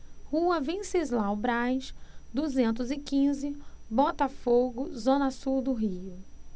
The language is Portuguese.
rua venceslau braz duzentos e quinze botafogo zona sul do rio